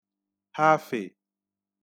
hafè